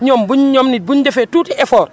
ñoom buñ ñoom nit bu ñu defee tuuti effort